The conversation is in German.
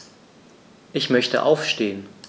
Ich möchte aufstehen.